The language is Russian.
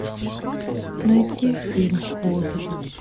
найди фильм хоббит